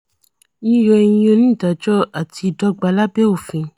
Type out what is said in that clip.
Yíyọ-eyín onídàájọ́ àti ìdọ́gba lábẹ́ òfin